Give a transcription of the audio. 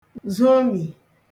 zomì